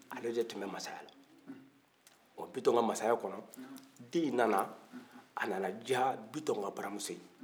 ale de tun bɛ masayala ɔɔ bitɔn ka masaya kɔnɔ denyin nana a nana ja bitɔn ka baaramuso ye